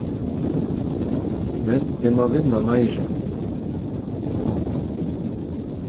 men eg má vinna meira